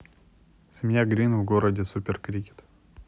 семья грин в городе супер крикет